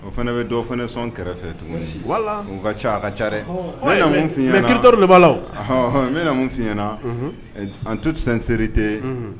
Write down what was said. O fana bɛ dɔ fana sɔn kɛrɛfɛ tuguni si u ka ca a ka ca ki de n bɛ na fiyɲɛna an tutisen seereri tɛ